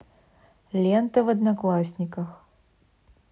лента в одноклассниках